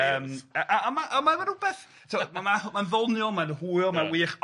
Yym a a ma' a ma'na rywbeth ti'bod ma' ma'n ddoniol, ma'n hwyl, ma'n wych